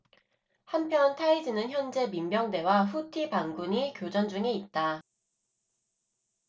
한편 타이즈는 현재 민병대와 후티 반군이 교전 중에 있다